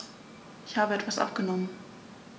Ich habe etwas abgenommen.